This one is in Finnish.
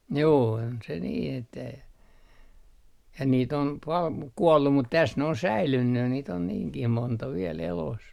juu on se niin että ja niitä on paljon mutta kuollut mutta tässä ne on säilynyt niitä on niinkin monta vielä elossa